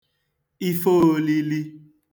ife ōlīlī